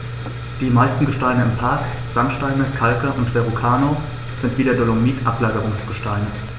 Die meisten Gesteine im Park – Sandsteine, Kalke und Verrucano – sind wie der Dolomit Ablagerungsgesteine.